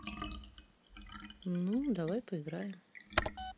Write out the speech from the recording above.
ну давай поиграем